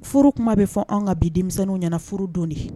Furu kuma bɛ fɔ anw ka bi denmisɛnw ɲɛna furu don de.